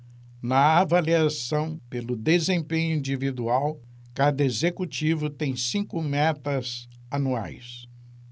na avaliação pelo desempenho individual cada executivo tem cinco metas anuais